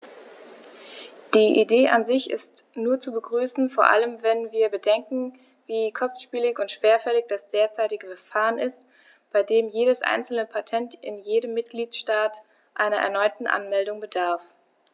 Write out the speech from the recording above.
Die Idee an sich ist nur zu begrüßen, vor allem wenn wir bedenken, wie kostspielig und schwerfällig das derzeitige Verfahren ist, bei dem jedes einzelne Patent in jedem Mitgliedstaat einer erneuten Anmeldung bedarf.